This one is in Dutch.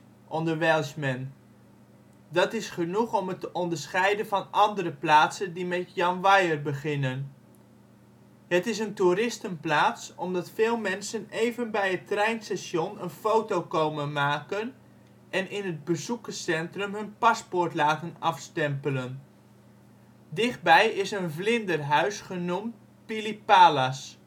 onder Welshmen. Dat is genoeg om het te onderscheiden van andere plaatsen die met Llanfair beginnen. De naam van het dorp Llanfairpwll in Wales op de achtergrond Het is een toeristenplaats omdat veel mensen even bij het treinstation een foto komen maken en in het bezoekerscentrum hun paspoort laten afstempelen. Dichtbij is een vlinderhuis genoemd Pili-Palas